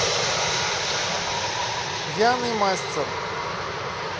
пьяный мастер